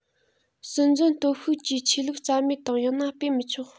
སྲིད འཛིན སྟོབས ཤུགས ཀྱིས ཆོས ལུགས རྩ མེད དང ཡང ན སྤེལ མི ཆོག